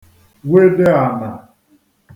wedè ànà